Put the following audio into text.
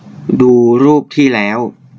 ดูรูปที่แล้ว